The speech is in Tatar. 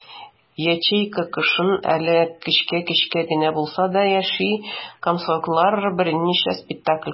Ячейка кышын әле көчкә-көчкә генә булса да яши - комсомоллар берничә спектакль куйдылар.